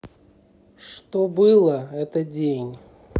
что было это день